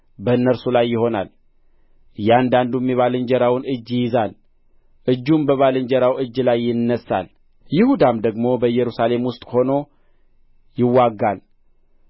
በእነርሱ ላይ ይሆናል እያንዳንዱም የባልንጀራውን እጅ ይይዛል እጁም በባልንጀራው እጅ ላይ ይነሣል ይሁዳም ደግሞ በኢየሩሳሌም ውስጥ ሆኖ ይዋጋል